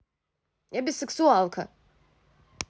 я бисексуалка